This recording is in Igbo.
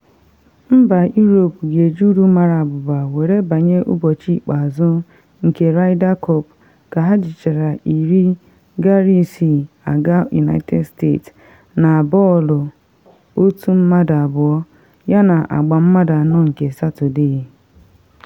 Mba Europe ga-eji uru mara abụba were banye ụbọchị ikpeazụ nke Ryder Cup ka ha jichara 10-6 aga United State na bọọlụ otu mmadụ abụọ yana agba mmadụ anọ nke Satọde.